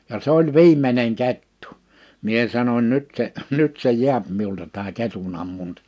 ja se oli viimeinen kettu minä sanoin nyt se nyt se jää minulta tämä ketun ammunta